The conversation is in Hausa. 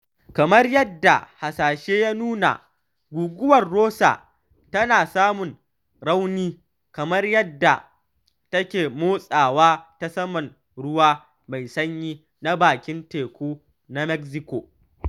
Kamar yadda hasashe ya nuna, Guguwar Rosa tana samun rauni kamar yadda take motsawa ta saman ruwa mai sanyi na bakin teku na Mexico.